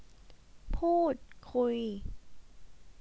พูดคุย